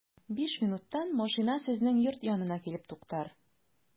Биш минуттан машина сезнең йорт янына килеп туктар.